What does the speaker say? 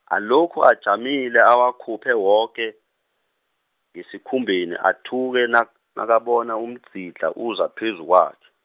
alokhu ajamile awakhuphe woke, ngesikhumbeni athuke nak- nakabona umdzidlha uza phezu kwakhe.